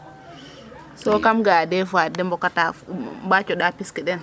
so kam ga a dés fois de mboka ta ba conda pis ke den